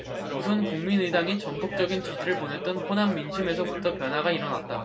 우선 국민의당에 전폭적인 지지를 보냈던 호남 민심에서부터 변화가 일어났다